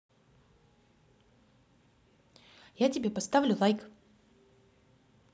я тебе поставлю лайк